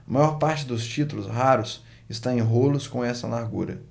a maior parte dos títulos raros está em rolos com essa largura